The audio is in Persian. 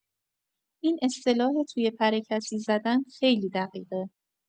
این اصطلاح «توی پر کسی زدن» خیلی دقیقه.